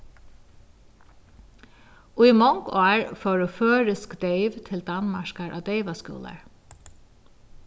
í mong ár fóru føroysk deyv til danmarkar á deyvaskúlar